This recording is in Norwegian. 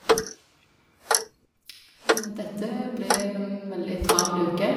Dette blir en veldig travel uke.